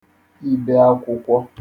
ibe akwụkwọ